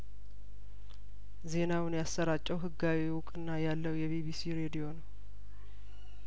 ዜናውን ያሰራጨው ህጋዊ እውቅና ያለው የቢቢሲ ሬዲዮ ነው